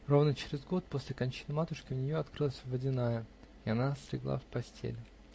Ровно через год после кончины матушки у нее открылась водяная, и она слегла в постель.